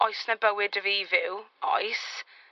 Oes 'na bywyd 'da fi fyw? Oes.